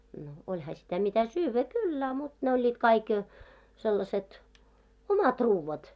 no olihan sitä mitä syödä kyllä a mutta ne olivat kaikki sellaiset omat ruuat kaikki